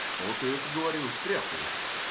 — Что ты это,— говорю,— стряпаешь?